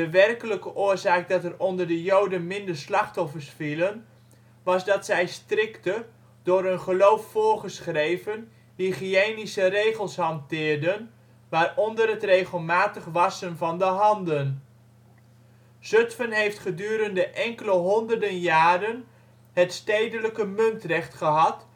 werkelijke oorzaak dat er onder de joden minder slachtoffers vielen was dat zij strikte, door hun geloof voorgeschreven hygiënische regels hanteerden, waaronder het regelmatig wassen van de handen. Zutphen heeft gedurende enkele honderden jaren het stedelijke muntrecht gehad